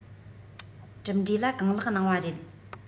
གྲུབ འབྲས ལ གང ལེགས གནང བ རེད